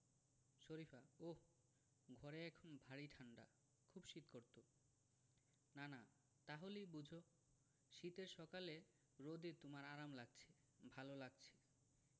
শরিফা ওহ ঘরে এখন ভারি ঠাণ্ডা খুব শীত করত নানা তা হলেই বোঝ শীতের সকালে রোদে তোমার আরাম লাগছে ভালো লাগছে